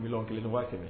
1500000.